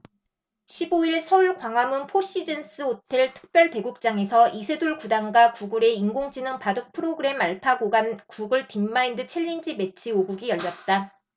십 오 일 서울 광화문 포시즌스호텔 특별대국장서 이 아홉 단과 구글의 인공지능 바둑 프로그램 알파고 간 구글 딥마인드 챌린지 매치 오 국이 열렸다